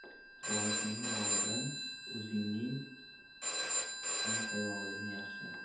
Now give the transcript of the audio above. romchining romidan o'zingning xomxayoling yaxshi